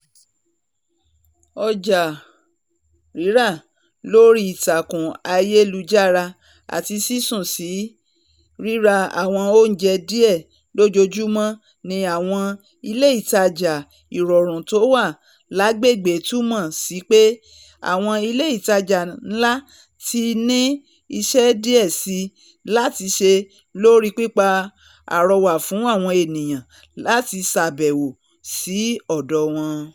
Ọjà rírà lórí ìtàkùn ayélujára àti sísún sí rirá àwọn oúnjẹ díẹ̀ lojoojumọ ní àwọn ilé ìtajà ìrọ̀rùn tówà lágbègbè túmọ sípé àwọn ilé ìtajà ńlá ti ńní iṣẹ́ díẹ̀ síi láti ṣe lórí pípa àrọwà fún àwọn eniyan láti ṣàbẹ̀wo sí ọdọọ wọǹ.